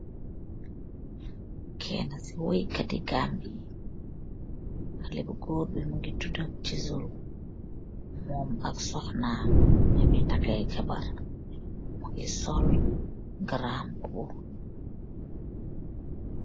artise se Gambia ak jabarram bi yugeih sanseh.